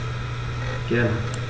Gerne.